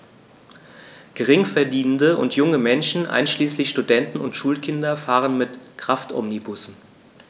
Geringverdienende und junge Menschen, einschließlich Studenten und Schulkinder, fahren mit Kraftomnibussen.